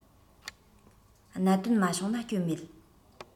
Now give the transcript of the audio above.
གནད དོན མ བྱུང ན སྐྱོན མེད